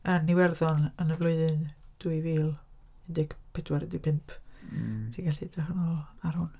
Yn Iwerddon yn y flwyddyn dwy fil un deg pedwar un deg pump ti'n gallu edrych arno fo ar hwn.